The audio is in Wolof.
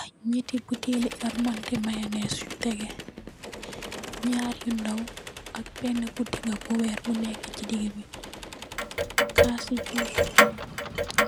Aiiy njehti buteli armanti mayonaise yu tehgeh, njarr yu ndaw ak benah bu digah bu wehrre bu nekue chi digi bii, kassi juice